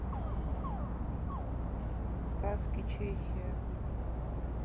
сказки чехия